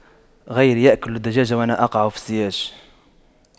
غيري يأكل الدجاج وأنا أقع في السياج